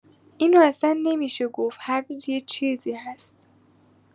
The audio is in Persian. اینو اصن نمی‌شه گفت هر روز یه چیزی هست.